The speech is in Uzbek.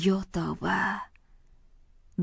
yo tavba